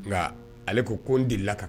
Nka ale ko ko delila ka